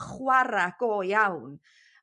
chwara go iawn